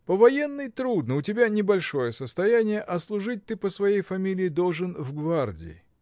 По военной трудно: у тебя небольшое состояние, а служить ты по своей фамилии должен в гвардии.